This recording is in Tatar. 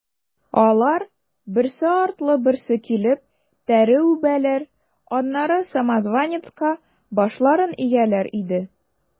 Алар, берсе артлы берсе килеп, тәре үбәләр, аннары самозванецка башларын ияләр иде.